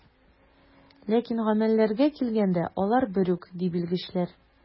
Ләкин гамәлләргә килгәндә, алар бер үк, ди белгечләр.